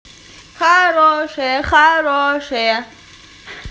хорошее хорошее